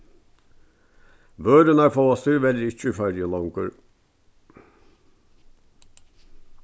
vørurnar fáast tíverri ikki í føroyum longur